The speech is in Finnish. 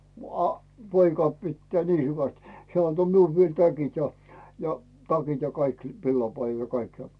- a poika pitää niin hyvästi hän antoi minulle vielä täkit ja ja takit ja kaikki villapaidan ja kaikki ja